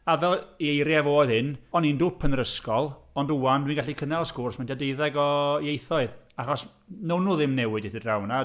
A fel, ei eiriau fo oedd hyn, "o'n i'n dwp yn yr ysgol, ond 'wan dwi'n gallu cynnal sgwrs mewn tua deuddeg o ieithoedd, achos wnawn nhw ddim newid i ti draw fan'na".